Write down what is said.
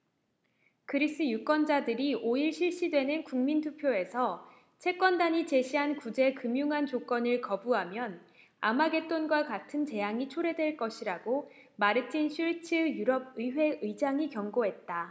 그리스 유권자들이 오 일 실시되는 국민투표에서 채권단이 제시한 구제금융안 조건을 거부하면 아마겟돈과 같은 재앙이 초래될 것이라고 마르틴 슐츠 유럽의회 의장이 경고했다